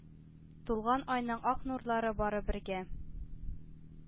Тулган айның, ак нурлары бары бергә